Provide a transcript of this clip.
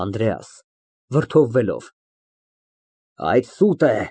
ԱՆԴՐԵԱՍ ֊ (Վրդովվելով) Այդ սուտ է։